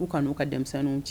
U kan'u ka denmisɛnninw ci